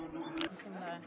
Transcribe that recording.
bisimilah